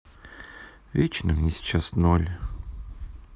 вечно мне сейчас ноль